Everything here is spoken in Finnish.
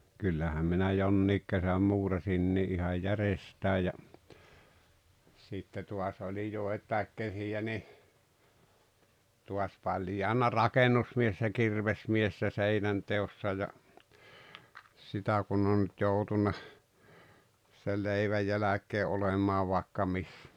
kyllähän minä jonkin kesän muurasinkin ihan järjestään ja sitten taas oli joitakin kesiä niin taas paljaana rakennusmies ja kirvesmies ja seinänteossa ja sitä kun on nyt joutunut sen leivän jälkeen olemaan vaikka missä